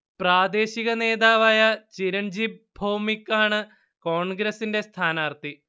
പ്രാദേശിക നേതാവായ ചിരൺജിബ് ഭോവ്മിക് ആണ് കോൺഗ്രസിന്റെ സ്ഥാനാർത്ഥി